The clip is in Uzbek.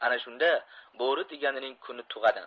ana shunda bo'ri deganinish kuni tug'adi